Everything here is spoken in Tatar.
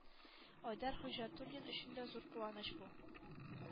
Айдар Хөҗҗәтуллин өчен дә зур куаныч бу.